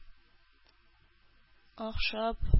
Охшап